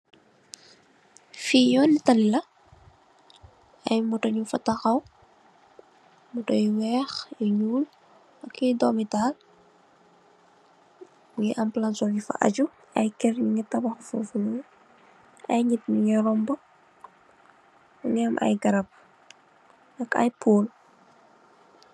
Fii yoni talli la, ay motto nyung fa takhaw, motto yu week yu ñuul, ak dommi taal, mungi am palansur yufa aju ay keur nyungi tabax fofu noon, ay nit nyunge rom mbu, mungi am ay garap ak ay poll